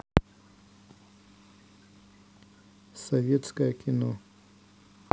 советское кино